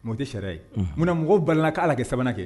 Mais o tɛ sariya ye, unhun Mun na mɔgɔw bala la k'ali a kɛ 3nan kɛ?